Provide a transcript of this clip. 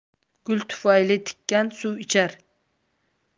gul tufayli tikan suv ichar